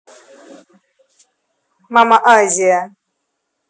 мама азия